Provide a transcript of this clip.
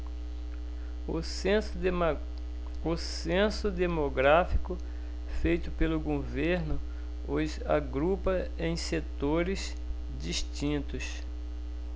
o censo demográfico feito pelo governo os agrupa em setores distintos